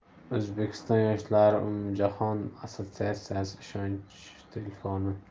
o'zbekiston yoshlari umumjahon assotsiatsiyasi ishonch telefoni